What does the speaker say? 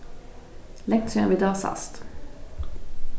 langt síðani vit hava sæst